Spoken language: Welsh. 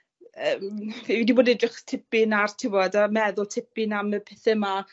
yy fi wedi bod edrych tipyn ar t'bod a meddwl tipyn am y pethe 'ma